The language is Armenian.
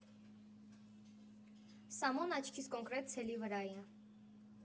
Սամոն աչքիս կոնկրետ ցելի վրայա։